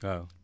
waaw